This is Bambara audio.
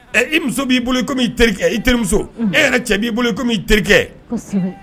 Ɛ i muso b'i bolo comme ɛ iterk i terimuso,e yɛrɛ cɛ b'i bolo comme i terikɛ